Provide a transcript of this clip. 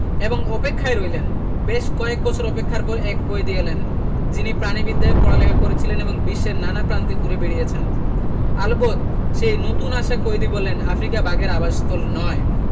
এবং অপেক্ষায় রইলেন বেশ কয়েক বছর অপেক্ষার পর এক কয়েদি এলেন যিনি প্রাণিবিদ্যায় পড়ালেখা করেছিলেন এবং বিশ্বের নানা প্রান্তে ঘুরে বেড়িয়েছেন আলবত সেই নতুন আসা কয়েদি বললেন আফ্রিকা বাঘের আবাসস্থল নয়